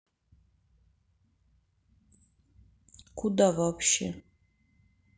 куда вообще